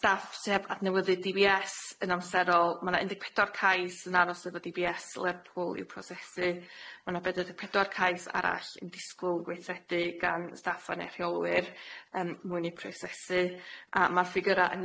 staff sy heb adnewyddu Dee Bee Ess yn amserol ma' na un deg pedwar cais yn aros efo Dee Bee Ess Lerpwl i'w prosesu ma' na bedwar deg pedwar cais arall yn disgwyl gweithredu gan staff a neu' rheolwyr yym mwyn i prosesu a ma'r ffigyra yn